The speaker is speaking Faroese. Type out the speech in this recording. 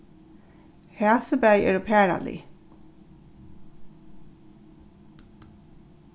hasi bæði eru paralig